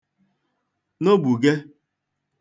nogbùge